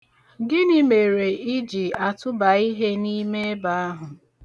Gịnị mere ị ji atụba ihe n'ime ebe ahụ.